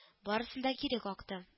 Барысын да кире какты